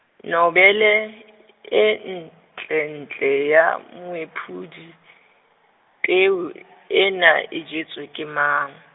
nobele, e- e ntle, ntle ya Moephuli, peo , ena, e jetswe ke mang?